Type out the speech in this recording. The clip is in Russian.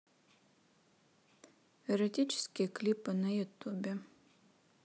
эротические клипы на ютубе